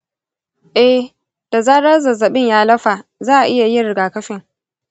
eh, da zarar zazzabin ya lafa, za a iya yin rigakafin.